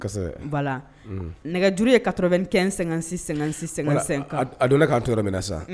Nɛgɛjuru ye ka kɛ sɛgɛn a don ne k' to minna sa